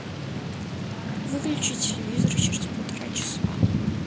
выключить телевизор через полчаса